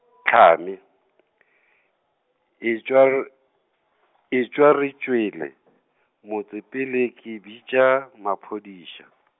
Tlhame , e tšwa r- , etšwa re tšwele, motse pele ke bitša maphodisa.